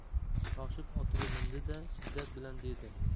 shoshib otiga mindi da shiddat bilan